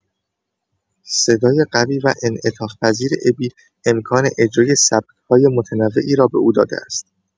صدای قوی و انعطاف‌پذیر ابی امکان اجرای سبک‌های متنوعی را به او داده است.